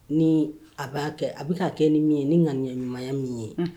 Ni a b'a kɛ a bɛ' kɛ ni min ye ni ŋaniɲɛ ɲumanya min ye